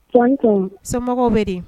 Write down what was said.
Paul ko somɔgɔw bɛ di